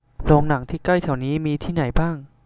โรงหนังที่ใกล้แถวนี้มีที่ไหนบ้าง